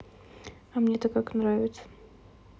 а мне то как нравится